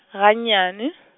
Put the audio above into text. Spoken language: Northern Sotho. ga nnyane.